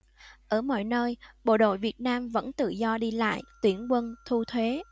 ở mọi nơi bộ đội việt nam vẫn tự do đi lại tuyển quân thu thuế